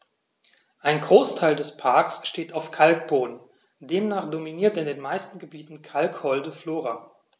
Ein Großteil des Parks steht auf Kalkboden, demnach dominiert in den meisten Gebieten kalkholde Flora.